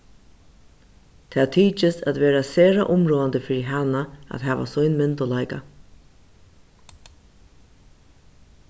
tað tykist at vera sera umráðandi fyri hana at hava sín myndugleika